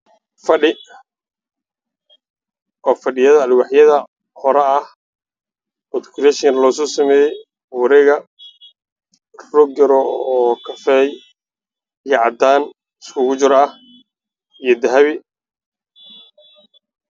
Fadhi oo alwaax ah roog yaroo kafee ah